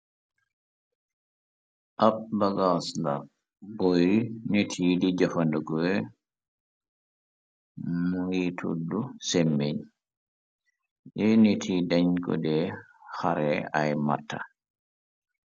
Ab bagasla boy nit yi di jofandugoe mu ngi tudd semeñ e nit yi dañ ko dee xare ay matta.